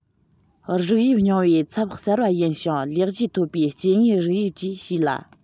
རིགས དབྱིབས རྙིང བའི ཚབ གསར པ ཡིན ཞིང ལེགས བཅོས ཐོབ པའི སྐྱེ དངོས རིགས དབྱིབས ཀྱིས བྱས ལ